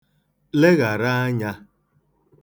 leghàra anyā